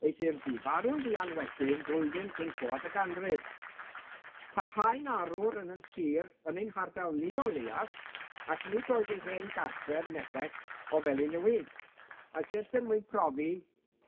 eithyr bu farw'n fuan wedyn blwyddyn cyn troad y ganrif, parhau'n arwr yn 'yn sir yn ein hardal ni o leiaf, ac nid oedd ei hen gartref nepell o Felyn y Wig, a jyst er mwyn profi